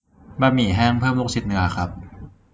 บะหมี่แห้งเพิ่มลูกชิ้นเนื้อครับ